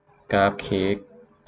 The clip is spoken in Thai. กราฟเค้ก